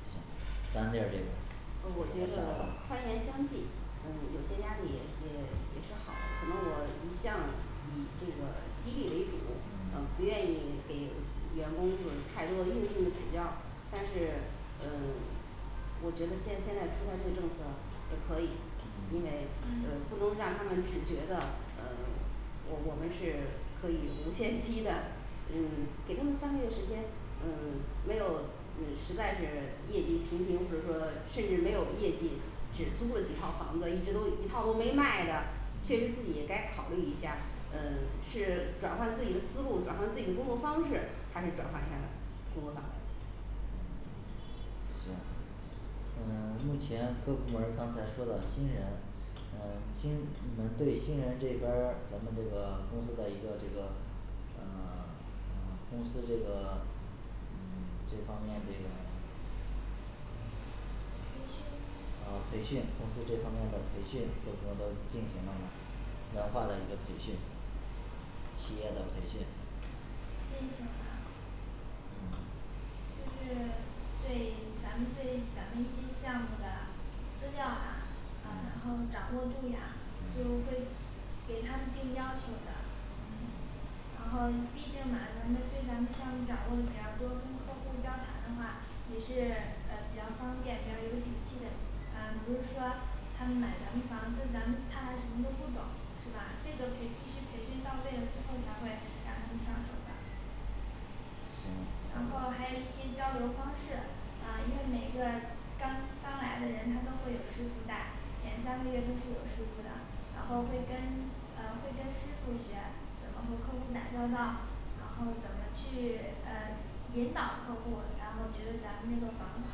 行三店儿这边儿呃我觉得我，宽严相济呃有些压力也是也也是好的，可能我一向以这个激励为主，啊嗯不愿意给员工就是太多硬性的指标儿，但是呃 我觉得现现在出台这个政策也可以，因嗯为呃不嗯能让他们只觉得呃 我我们是可以无限期的嗯 给他们三个月时间，嗯 没有嗯实在是业绩平平或者说甚至没有业绩，只租了几套房子一直都一套都没卖的确实自嗯己该考虑一下，呃是转换自己的思路，转换自己的工作方式，还是转化一下，工作范围嗯行嗯 目前各部门儿刚才说的新人呃新你们对新人这边儿咱们这个公司的一个这个呃 呃公司这个嗯这方面这个培训哦培训，公司这方面的培训，各部门儿都进行了哪个，文化的一个培训企业的培训类型吗嗯就是 对咱们对咱们一些项目的资料啦，啊然嗯后掌握度呀就嗯会给他们定要求的嗯然后毕竟嘛咱们对咱们项目掌握的比较多，跟客户交谈的话也是呃比较方便比较有底气的啊不是说他们买咱们房子，咱们他还什么都不懂是吧？这个培必须培训到位了之后才会让他们上手的行然后还有一些交流方式，啊因为每个刚刚来的人他都会有师傅带，前三个月都是有师傅的，然后会跟呃会跟师傅学，怎么和客户打交道然后怎么去 呃引导客户，然后觉得咱们这个房子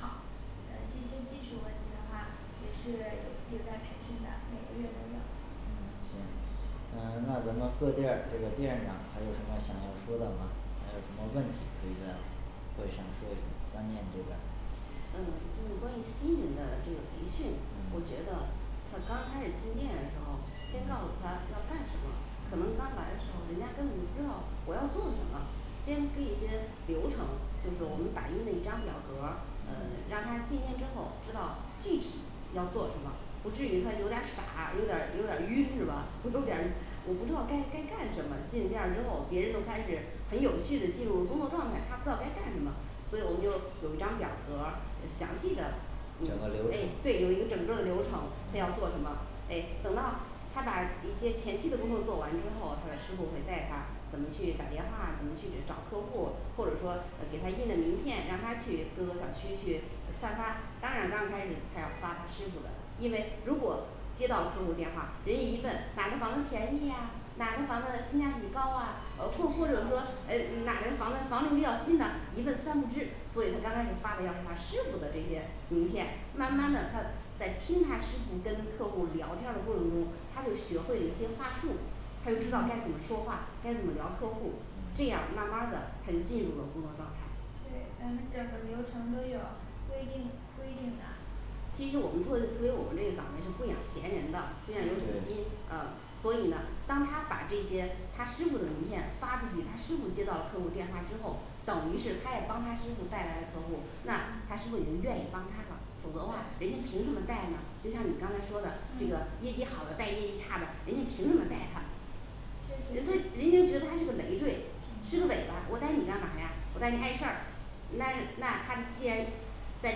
好，呃这些基础问题的话也是有有在培训的，每个月都有嗯行，嗯那咱们各店儿这个店长还有什么想要说的吗？还有什么问题可以再会上说一说三店这边儿嗯就是关于新人的这个培训，我嗯觉得像刚开始进店的时候先告诉嗯他要干什么，可能刚来的时候人家根本不知道我要做什么先给一些流程，就是我们打印的一张表格儿，呃让他进店之后知道具体要做什么不至于他有点儿傻有点儿有点儿晕是吧，有点儿 我不知道该该干什么，进店儿之后别人都开始很有序的进入了工作状态，他不知道该干什么所以我们就有一张表格儿呃详细的整个流有程诶嗯对有一个整个的流程他要嗯做什么，诶等到他把一些前期的工作做完之后，他的师傅会带他怎么去打电话，怎么去找客户，或者说呃给他印的名片，让他去各个小区去呃散发，当然刚开始他要发他师傅的，因为如果接到客户电话，人一问哪个房子便宜呀，哪个房子性价比高啊，呃或或者说呃哪个房子房型比较新的一问三不知，所以他刚开始发的要是他师傅的这些名片，慢慢的他在听他师傅跟客户聊天儿的过程中，他就学会了一些话术他就知道该怎么说话，该怎么聊，客户嗯这样慢儿慢儿的他就进入了工作状态对咱们整个流程都有规定规定的。其实我们做的特别我们这个岗位是不养闲人的，虽然有嗯对底薪啊所以呢当他把这些他师傅的名片发出去，他师傅接到了客户电话之后，等于是他也帮他师傅带来了客户，那他师嗯傅也就愿意帮他了否则的话人家凭什么带呢？就像你刚才说的这个嗯业绩好的带业绩差的，人家凭什么带他？确人实家是人家觉得还是个累赘，是个尾巴，我带你干嘛呀我带你碍事儿。那那他既然在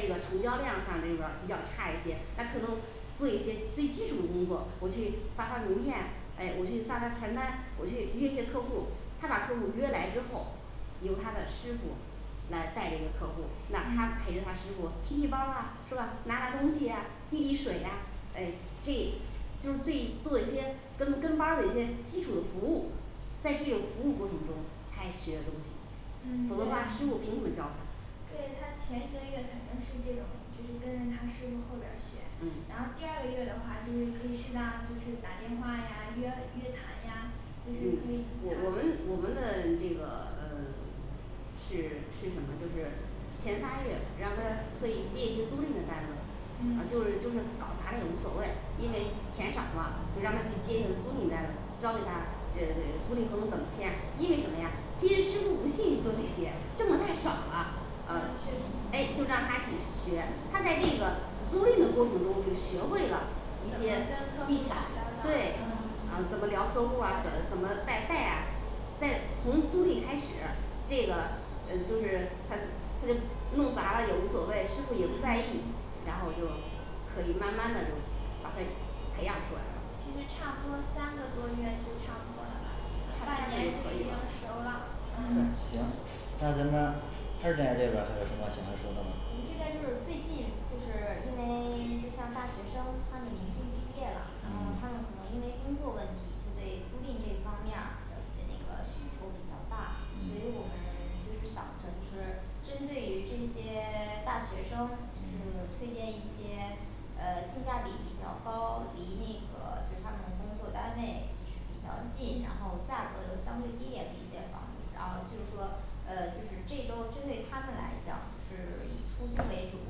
这个成交量上这边儿比较差一些，那可能做一些最基础工作，我去发发名片，诶我去发发传单，我去约一些客户，他把客户约来之后由他的师傅来带这个客户，那嗯他陪着他师傅提提包儿啊是吧？拿拿东西呀递递水呀，哎这就是最做一些跟跟班儿的一些基础的服务，在这种服务过程中才学的东西嗯否则的话师对傅凭什么教他？对，他前一个月可能是这种就是跟着他师傅后边儿学，嗯然后第二个月的话就是可以适当就是打电话呀约约谈呀就是可以嗯我我谈们我们的这个 呃是是什么就是前仨月让他可以接一个租赁的单子啊嗯就是就是搞砸了也无所谓，因为钱少哇就让他去接一项租赁单，交给他呃对租赁合同怎么签，因为什么呀，其实师傅不屑于做这些，挣的太少啦，啊啊确诶就实让他去学，他在这个租赁的过程中就学会了一怎么跟些客户技儿巧打交道对嗯啊怎么聊客户儿啊怎怎么带带啊再从租赁开始这个嗯就是他他就弄砸了也无所谓，嗯师傅也不在意嗯，然后又可以慢慢的就把他培养出来了，嗯可其以实差不多三个多月就差不多了吧，半年就已经熟啦，嗯对行那咱们二店这边儿还有什么想要说的吗？我这边儿就是最近就是 因为 就像大学生他们临近毕业了，然后他们可嗯能因为工作问题就对租赁这一方面儿的这那个需求比较大，所以我们嗯 就是想着就是，针对于这些 大学生是嗯推荐一些 呃性价比比较高，离那个就他们工作单位就是比较近，然后价格又相对低廉的一些房子，然后就是说呃就是这周针对他们来讲是以出租为主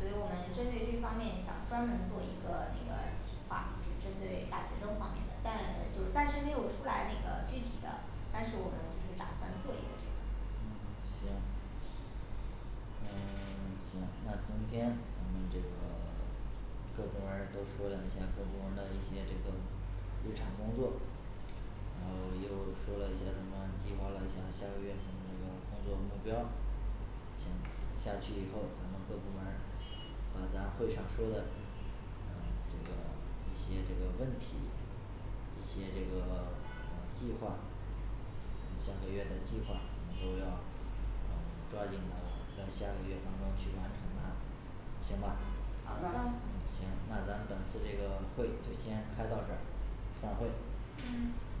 所以我们针对这方面想专门做一个那个企划，就是针对大学生方面的，暂就是暂时没有出来那个具体的，但是我们就是打算做一个这个嗯行嗯 行那今天我们这个 各部门儿都说了一下各部门儿的一些这个日常工作然后又说了一下，咱们计划了一下下个月咱们这个工作目标。行下去以后咱们各部门儿把咱会上说的嗯这个一些这个问题一些这个 嗯计划嗯下个月的计划咱们都要，嗯抓紧的在下个月当中去完成它，行吧好的嗯行那咱本次这个会就先开到这儿，散会嗯